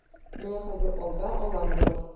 Менә хәзер алда алан булыр.